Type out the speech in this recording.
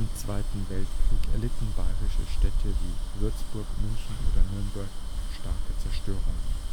Zweiten Weltkrieg erlitten bayerische Städte wie Würzburg, München oder Nürnberg starke Zerstörungen